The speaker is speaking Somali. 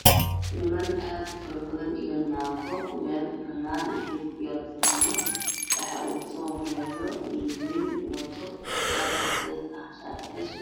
Niman aada u fara badan iyo naago meel aada u weyn fadhiyo waxa uu soo horreeya nin wuxuu qabaa dhar caddees